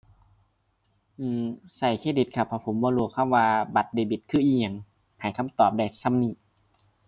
อืม ใช้เครดิตครับ เพราะผมบ่รู้คำว่าบัตรเดบิตคืออิหยัง ให้คำตอบได้ส่ำนี้